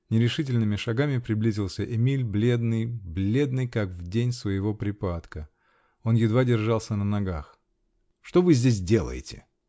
Нерешительными шагами приблизился Эмиль, бледный, бледный, как в день своего припадка. Он едва держался на ногах. -- Что вы здесь делаете?